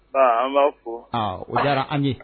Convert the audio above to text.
Aa an b'a ko aa o diyara an ye